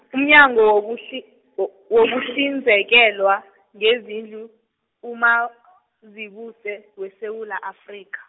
umnyango WokuHli-, wo- wokuhlinzekelwa, ngezindlu, uMazibuse, weSewula Afrika.